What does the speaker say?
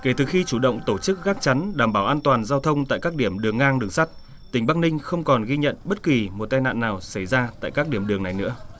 kể từ khi chủ động tổ chức gác chắn đảm bảo an toàn giao thông tại các điểm đường ngang đường sắt tỉnh bắc ninh không còn ghi nhận bất kỳ một tai nạn nào xảy ra tại các điểm đường này nữa